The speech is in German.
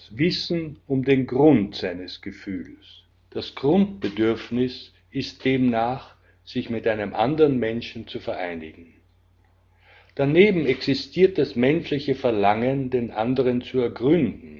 Wissen um den Grund seines Gefühls. Das Grundbedürfnis ist demnach, sich mit einem anderen Menschen zu vereinigen. Daneben existiert das menschliche Verlangen, den anderen zu ergründen